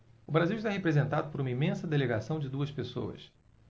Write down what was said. o brasil está representado por uma imensa delegação de duas pessoas